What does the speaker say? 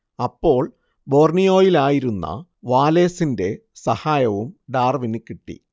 അപ്പോൾ ബോർണിയോയിലായിരുന്ന വാലേസിന്റെ സഹായവും ഡാർവിന് കിട്ടി